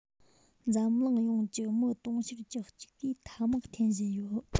འཛམ གླིང ཡོངས ཀྱི མི དུང ཕྱུར བཅུ གཅིག གིས ཐ མག འཐེན བཞིན ཡོད